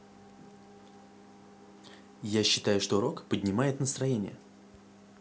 я считаю что рок поднимает настроение